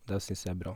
Det syns jeg er bra.